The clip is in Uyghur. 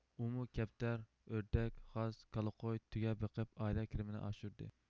ئۇمۇ كەپتەر ئۆردەك غاز كالا قوي تۆگە بېقىپ ئائىلە كىرىمىنى ئاشۇردى